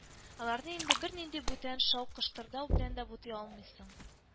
Аларны инде бернинди бүтән шау-кыштырдау белән дә бутый алмыйсың